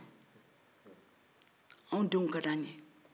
anw denw ka di an ye